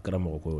Kɛra mɔgɔ ko y